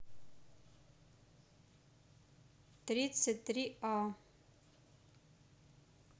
тридцать три а